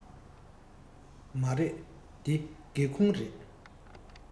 མ རེད འདི སྒེའུ ཁུང རེད